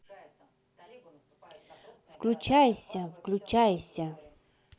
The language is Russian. выключайся выключайся